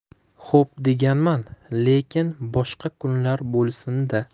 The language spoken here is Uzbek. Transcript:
xo'p deganman lekin boshqa kunlar bo'lsin da